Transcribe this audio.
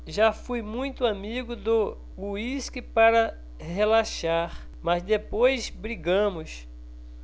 já fui muito amigo do uísque para relaxar mas depois brigamos